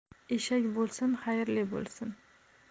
eshak bo'lsin xayrli bo'lsin